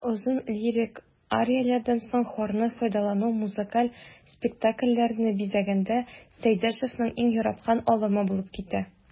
Озын лирик арияләрдән соң хорны файдалану музыкаль спектакльләрне бизәгәндә Сәйдәшевнең иң яраткан алымы булып китә.